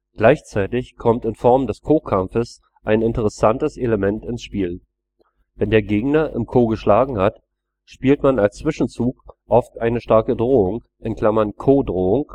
Gleichzeitig kommt in Form des Ko-Kampfes ein interessantes Element ins Spiel. Wenn der Gegner im Ko geschlagen hat, spielt man als Zwischenzug oft eine starke Drohung (Ko-Drohung